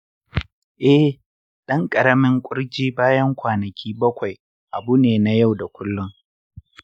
eh, ɗan ƙaramin kurji bayan kwanaki bakwai abu ne na yau da kullum.